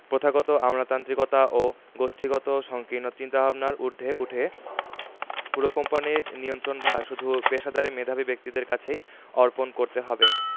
প্রথাগত আমলাতান্ত্রিকতা ও গোষ্ঠীগত সংকীর্ণ চিন্তাভাবনার ঊর্ধ্বে উঠে পুরো কোম্পানির নিয়ন্ত্রণভার শুধু পেশাদারি মেধাবী ব্যক্তিদের কাছেই অর্পণ করতে হবে